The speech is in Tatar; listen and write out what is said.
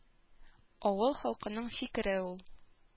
Авыл халкының фикере ул.